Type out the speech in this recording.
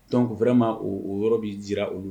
Dɔnc o fana ma o yɔrɔ bɛi di olu